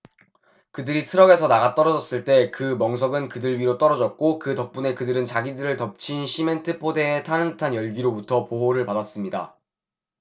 그들이 트럭에서 나가떨어졌을 때 그 멍석은 그들 위로 떨어졌고 그 덕분에 그들은 자기들을 덮친 시멘트 포대의 타는 듯한 열기로부터 보호를 받았습니다